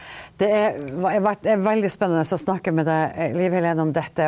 det er er vært er veldig spennende å snakke med deg Liv Helene om dette.